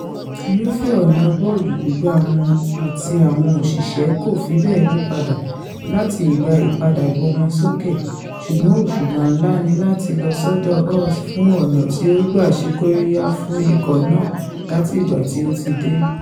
Ìrúfẹ ọ̀nà bọ́ọ̀lù gbígbá wọn àti àwọn òṣìṣẹ́ kò fí bẹ́ẹ̀ yípadà láti ìgbà ìpadàbọ̀ wọn sókè, sùgbọn òṣùbà ńlá nilàti lọ́ sọ́dọ̀ Holt fun ọ̀nà tí ó gbà ṣékóríyá fún ikọ̀ náà láti ìgbà tí ò ti dé.